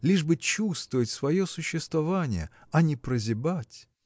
лишь бы чувствовать свое существование а не прозябать!.